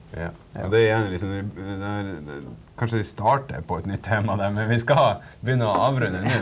ja kanskje vi starter på et nytt tema der men vi skal begynne å avrunde nå.